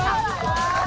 thắng